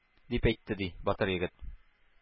— дип әйтте, ди, батыр егет.